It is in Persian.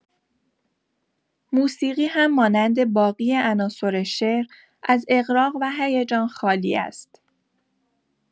موسیقی هم مانند باقی عناصر شعر، از اغراق و هیجان خالی است.